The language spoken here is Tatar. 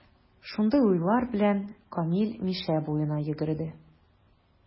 Шундый уйлар белән, Камил Мишә буена йөгерде.